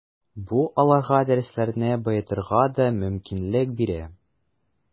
Бу аларга дәресләрне баетырга да мөмкинлек бирә.